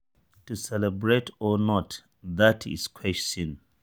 To celebrate or not, that’s the question.